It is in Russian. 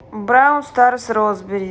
brawl stars робзи